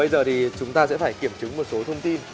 bây giờ thì chúng ta sẽ phải kiểm chứng một số thông tin